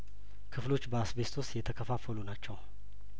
ክፍሎች በአስቤ ስቶ ስየተከፋፈሉ ናቸው